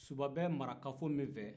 suba bɛ marakafo min fɛ